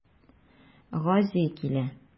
Гази килә.